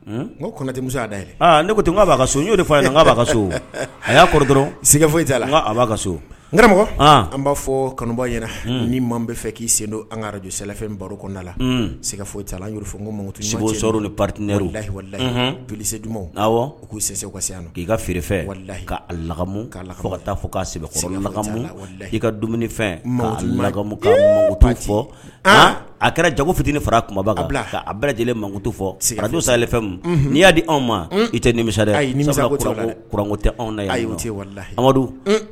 N kɔntɛmuso y' aaa ne ko tun' b'a ka so'o de'a ka so a y'a kɔrɔ dɔrɔn sɛgɛ foyi la b' ka so g an b'a fɔ kanu yɛrɛ ni ma bɛ fɛ k'i sendo an karajfɛn baroda la sɛgɛfɔ la koro ni lahila pse dumanuma k'use seguya k'i ka feerekamu k'a la ka taa fɔ k'akamu i ka dumunifɛnkamu fɔ a kɛra jago fitinin fara kunba ka bila bɛ lajɛlen makutu fɔ siga don sa n'i y'a di anw ma i tɛ nimisa kko tɛ anw amadu